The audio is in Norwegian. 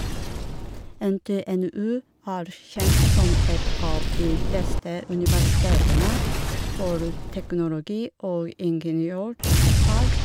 NTNU er kjent som et av de beste universitetene for teknologi- og ingeniørfag.